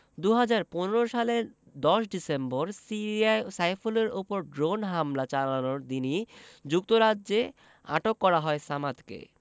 ২০১৫ সালের ১০ ডিসেম্বর সিরিয়ায় সাইফুলের ওপর ড্রোন হামলা চালানোর দিনই যুক্তরাজ্যে আটক করা হয় সামাদকে